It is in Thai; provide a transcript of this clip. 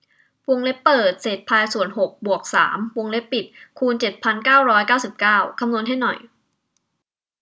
วงเล็บเปิดเศษพายส่วนหกบวกสามวงเล็บปิดคูณเจ็ดพันเก้าร้อยเก้าสิบเก้าคำนวณให้หน่อย